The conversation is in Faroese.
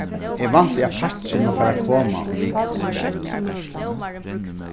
eg vænti at pakkin mann fara at koma í vikuni